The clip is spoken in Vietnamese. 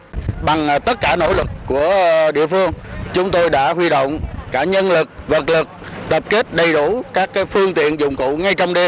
bằng tất cả nỗ lực của địa phương chúng tôi đã huy động cả nhân lực vật lực tập kết đầy đủ các cái phương tiện dụng cụ ngay trong đêm